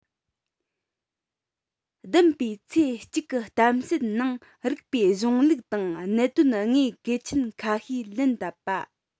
བདུན པའི ཚེས གཅིག གི གཏམ བཤད ནང རིགས པའི གཞུང ལུགས དང གནད དོན དངོས གལ ཆེན ཁ ཤས ལ ལན བཏབ པ